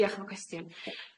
Diolch am y cwestiwn.